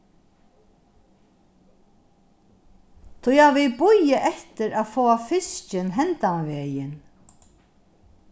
tí at vit bíða eftir at fáa fiskin hendan vegin